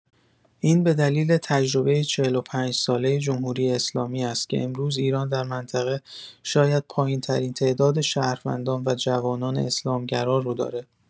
این به دلیل تجربه ۴۵ سال جمهوری‌اسلامی است که امروز ایران در منطقه شاید پایین‌ترین تعداد شهروندان و جوانان اسلام‌گرا رو داره.